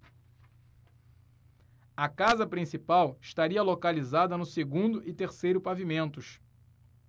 a casa principal estaria localizada no segundo e terceiro pavimentos